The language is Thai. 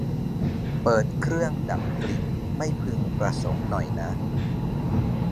เปิดเครื่องดับกลิ่นไม่พึงประสงค์หน่อยนะ